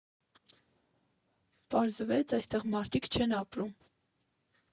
Պարզվեց՝ այդտեղ մարդիկ չեն ապրում։